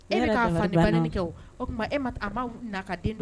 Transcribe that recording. E kɛ